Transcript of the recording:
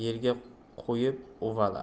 yerga qo'yib uvala